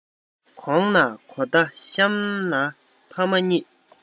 གོང ན གོ བརྡ གཤམ ན ཕ མ གཉིས